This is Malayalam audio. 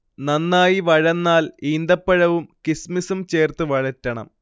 നന്നായി വഴന്നാൽ ഈന്തപ്പഴവും കിസ്മിസും ചേർത്ത് വഴറ്റണം